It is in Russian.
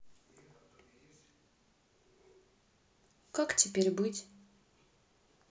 как теперь быть